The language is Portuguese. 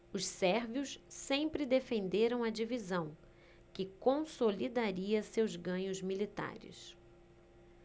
os sérvios sempre defenderam a divisão que consolidaria seus ganhos militares